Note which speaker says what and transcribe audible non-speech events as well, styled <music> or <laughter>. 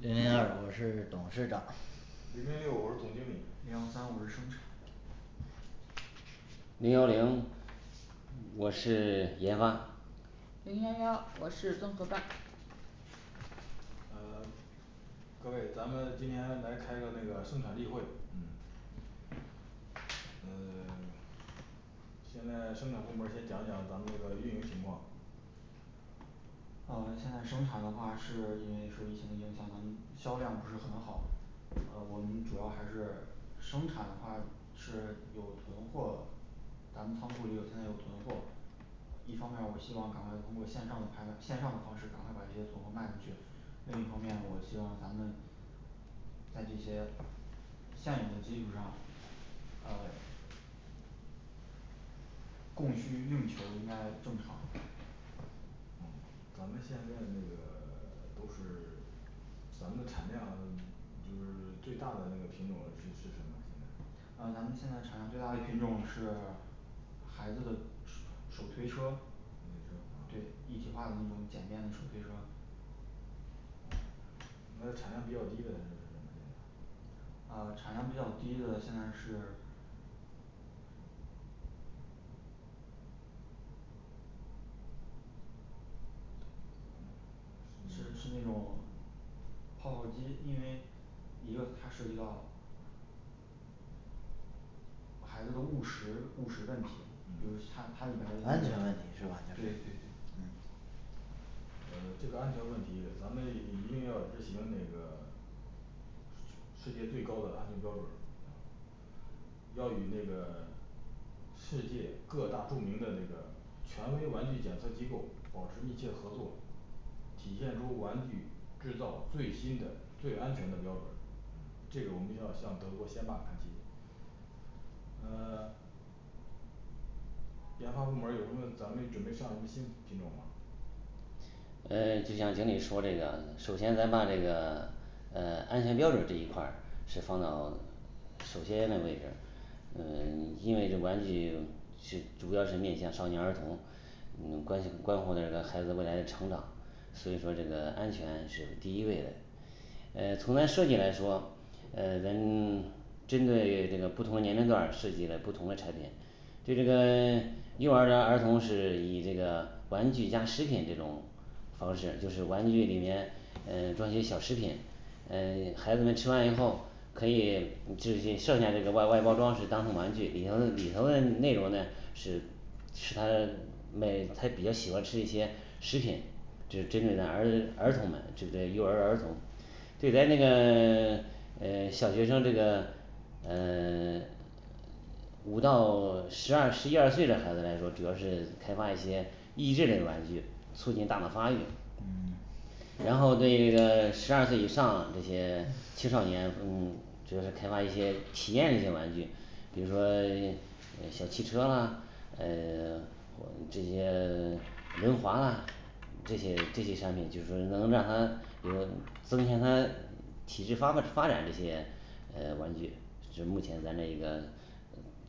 Speaker 1: 零零二我是董事长
Speaker 2: 零零六我是总经理
Speaker 3: 零幺三我是生产
Speaker 4: 零幺零我是 <silence> 研发
Speaker 5: 零幺幺我是综合办
Speaker 2: 呃 <silence> 各位咱们今天来开个那个生产例会&嗯&呃 <silence> 现在生产部门儿先讲讲咱们这个运营情况
Speaker 3: 呃现在生产的话是因为受疫情的影响，咱们销量不是很好呃我们主要还是生产的话是有囤货咱们仓库里有现在有囤货呃一方面儿我希望赶快通过线上的拍卖，线上的方式赶快把这些存货卖出去另一方面我希望咱们在这些现有的基础上呃供需应求应该正常
Speaker 2: 嗯咱们现在那个 <silence> 都是 <silence> 咱们的产量 <silence> 就是最大的那个品种是是什么现在
Speaker 3: 呃咱们现在产量最大的品种是孩子的手手推车
Speaker 2: 手
Speaker 3: 对
Speaker 2: 推车嗯
Speaker 3: 一体化的那种简便的手推车
Speaker 2: 嗯那产量比较低的是是是什么现在
Speaker 3: 呃产量比较低的，现在是
Speaker 2: 嗯是
Speaker 3: 是是那种泡儿泡儿机因为一个它涉及到孩子的误食误食问题，比如
Speaker 2: 嗯
Speaker 3: 他他里
Speaker 1: 安
Speaker 3: 边儿的那
Speaker 1: 全问
Speaker 3: 个
Speaker 1: 题是吧就
Speaker 3: 对对
Speaker 1: 是
Speaker 3: 对
Speaker 2: 嗯呃这个安全问题咱们一定要执行那个 <silence> 世界最高的安全标准儿要与那个 <silence> 世界各大著名的这个权威玩具检测机构保持密切合作体现出玩具制造最新的最安全的标准这个我们需要向德国先把它提呃 <silence> 研发部门儿有什么咱们准备上什么新品种儿吗
Speaker 4: 呃就像经理说这个，首先咱把这个 <silence> 呃安全标准这一块儿是放到首先那个位置呃 <silence> 因为这玩具是主要是面向少年儿童嗯关心 <unintelligible> 关乎这个孩子未来的成长所以说这个安全是第一位的呃从它设计来说呃能 <silence> 针对这个不同年龄段儿设计嘞不同嘞产品就这个 <silence> 幼儿和儿童是以这个玩具加食品这种方式，就是玩具里面呃装一些小食品呃孩子们吃完以后可以就这些剩下那个外外包装是当成玩具里头的里头的内容呢是是他卖的他比较喜欢吃这些食品这是真正的儿儿童的这是在幼儿儿童对咱个 <silence> 呃小学生这个呃 <silence> 五到十二十一二岁的孩子来说，主要是开发一些益智类玩具促进大脑发育
Speaker 1: 嗯
Speaker 4: 然后对这个十二岁以上这些青少年嗯主要是开发一些体验类的玩具比如说诶小汽车啊呃 <silence> 我们这些 <silence> 轮滑啊这些这些产品就是说能让他比如说增强他体制发展发展这些呃玩具这是目前咱这个